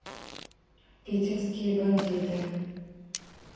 питерские бандиты